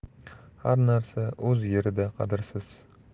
har narsa o'z yerida qadrsiz